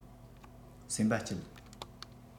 སེམས པ སྐྱིད